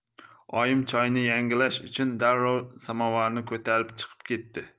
oyim choyni yangilash uchun darrov samovarni ko'tarib chiqib ketdi